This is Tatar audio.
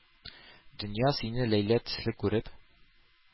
Дөнья, сине Ләйлә төсле күреп,